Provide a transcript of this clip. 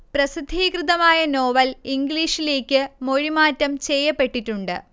പ്രസിദ്ധീകൃതമായ novel ഇംഗ്ലീഷിലേയ്ക്ക് മൊഴിമാറ്റം ചെയ്യപ്പെട്ടിട്ടുണ്ട്